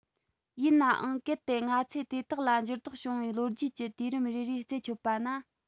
ཡིན ནའང གལ ཏེ ང ཚོས དེ དག ལ འགྱུར ལྡོག བྱུང བའི ལོ རྒྱུས ཀྱི དུས རིམ རེ རེ རྩད ཆོད པ ན